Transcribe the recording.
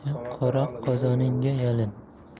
qora qozoningga yalin